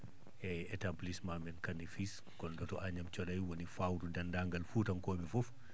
eeyi établissement men Kane et fils ngonɗo to Agname Thiodaye woni fawru denndaangal fuutankooɓe fof